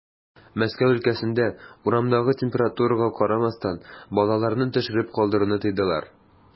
Мәскәү өлкәсендә, урамдагы температурага карамастан, балаларны төшереп калдыруны тыйдылар.